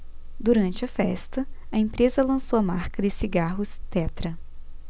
durante a festa a empresa lançou a marca de cigarros tetra